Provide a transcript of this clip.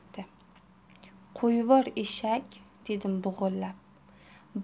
qo'yvor eshak dedim bo'g'ilib